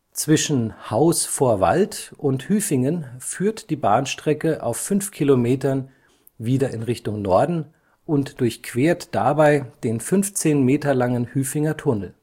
Zwischen Haus vor Wald und Hüfingen führt die Bahnstrecke auf fünf Kilometern wieder in Richtung Norden und durchquert dabei den 15 Meter langen Hüfinger Tunnel